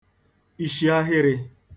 ishiahịrị̄